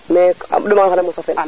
mais a ɗoma nga xana moso fel